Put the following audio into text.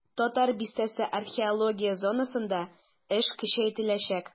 "татар бистәсе" археология зонасында эш көчәйтеләчәк.